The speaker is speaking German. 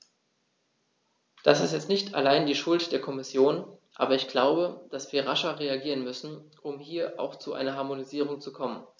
Das ist jetzt nicht allein die Schuld der Kommission, aber ich glaube, dass wir rascher reagieren müssen, um hier auch zu einer Harmonisierung zu kommen.